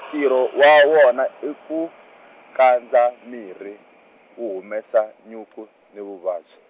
ntirho wa wona i ku, kandza miri, wu humesa nyuku, ni vuvabyi.